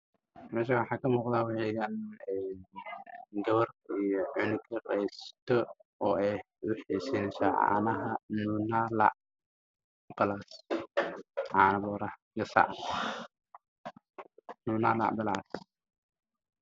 Meshan waxa ka muqda gabar iyo cunug yar waxay sineysa caano nune gasac cano bore aj